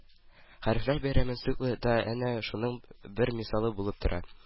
«хәрефләр бәйрәме» циклы да әнә шуның бер мисалы булып тора